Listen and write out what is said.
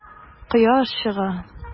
Кояш чыга.